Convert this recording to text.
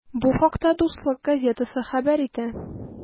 Бу хакта “Дуслык” газетасы хәбәр итә.